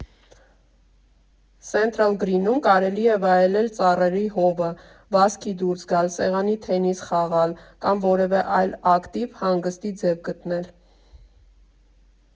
Սենթրալ Գրինում կարելի է վայելել ծառերի հովը, վազքի դուրս գալ, սեղանի թենիս խաղալ կամ որևէ այլ ակտիվ հանգստի ձև գտնել։